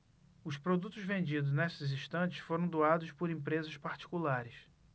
os produtos vendidos nestas estantes foram doados por empresas particulares